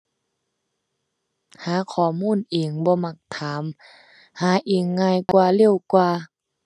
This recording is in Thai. หาข้อมูลเอง บ่มักถาม หาเองง่ายกว่า เร็วกว่า